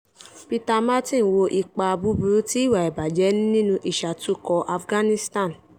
Peter Martin wo ipa búburú tí ìwà ìbàjẹ́ ní nínú ìṣàtúnkọ́ Afghanistan.